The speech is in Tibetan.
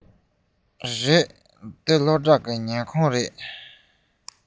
རེད འདི སློབ ཕྲུག གི ཉལ ཁང རེད